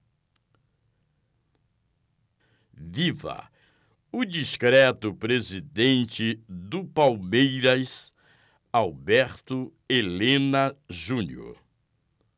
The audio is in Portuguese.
viva o discreto presidente do palmeiras alberto helena junior